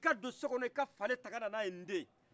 i kaa don sokɔnɔ i ka fale ta ka nana n' a ye nden